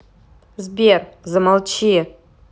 сбер замолчи